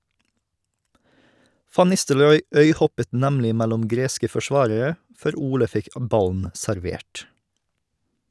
Van Nistelrooy øyhoppet nemlig mellom greske forsvarere, før Ole fikk ballen servert.